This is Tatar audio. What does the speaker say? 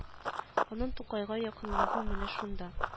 Аның тукайга якынлыгы менә шунда